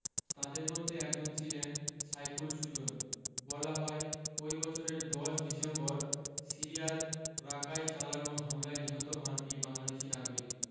তাঁদের মধ্যে একজন ছিলেন সাইফুল সুজন বলা হয় ওই বছরের ১০ ডিসেম্বর সিরিয়ার রাকায় চালানো হামলায় নিহত হন এই বাংলাদেশি নাগরিক